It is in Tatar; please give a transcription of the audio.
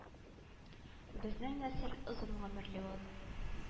Безнең нәсел озын гомерле ул